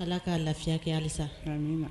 Ala k'a lafiya kɛ halisa